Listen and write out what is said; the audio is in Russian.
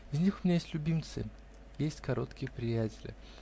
Из них у меня есть любимцы, есть короткие приятели